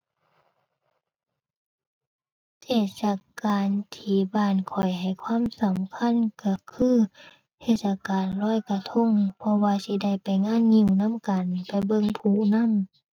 เทศกาลที่บ้านข้อยให้ความสำคัญก็คือ เทศกาลลอยกระทง เพราะว่าสิได้ไปงานงิ้วนำกันไปเบิ่งพลุนำ